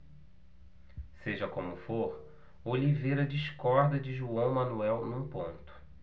seja como for oliveira discorda de joão manuel num ponto